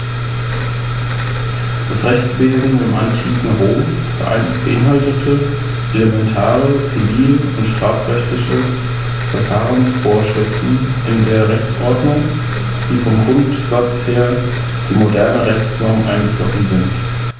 Infolge der römischen Erfolge stieg auch die Menge des zur Verfügung stehenden Münzgeldes dramatisch an, ebenso wie sich die Anzahl der Sklaven immer mehr erhöhte.